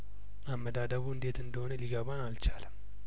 አመዳደቡ እንዴት እንደሆነ ሊገባን አልቻለም